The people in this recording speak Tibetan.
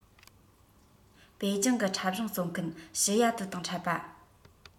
པེ ཅིང གི འཁྲབ གཞུང རྩོམ མཁན ཞི ཡ ཐུའི དང འཕྲད པ